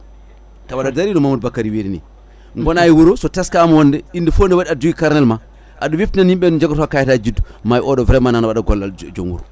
tawa aɗa dari no Mamadou Bakary wirini goona e wuuro so teskama wonde inde foof inde foof ne waɗi aɗa jogui karnal ma aɗa webtinani yimɓe nde jogoto kayitaji juddu ma wiye oɗo vraiment nana waɗa gollal joom wuuro